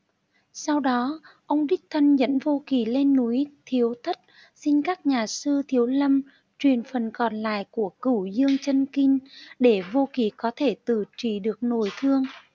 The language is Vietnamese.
sau đó ông đích thân dẫn vô kỵ lên núi thiếu thất xin các nhà sư thiếu lâm truyền phần còn lại của cửu dương chân kinh để vô kỵ có thể tự trị được nội thương